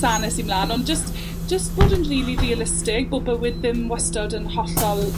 sane sy mlan, ond jyst, jyst bod yn rili realistig bo' bywyd ddim wastad yn hollol